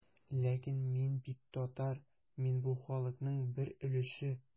Ләкин мин бит татар, мин бу халыкның бер өлеше.